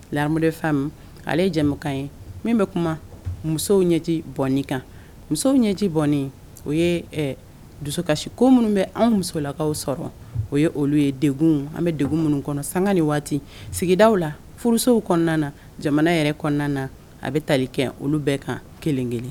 La fɛn ale ye jamukan ye min bɛ kuma musow ɲɛti bɔn kan musow ɲɛti bɔn u ye dusukasiko minnu bɛ anw musolakaw sɔrɔ o ye olu ye an bɛ deg minnu kɔnɔ sanga ni waati sigidaw la furusow kɔnɔna na jamana yɛrɛ kɔnɔna na a bɛ tali kɛ olu bɛɛ kan kelenkelen